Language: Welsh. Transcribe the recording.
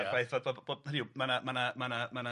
A'r ffaith bod bod bod bod hynny yw ma' 'na ma' 'na ma' 'na ma' 'na.